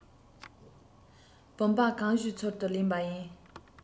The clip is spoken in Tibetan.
བུམ པ གང བྱོའི ཚུལ དུ ལེན པ ཡིན